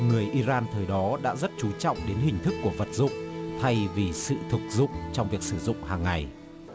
người i ran thời đó đã rất chú trọng đến hình thức của vật dụng thay vì sự thực dụng trong việc sử dụng hằng ngày